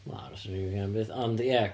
Wel aros yn y UK am byth, ond ia.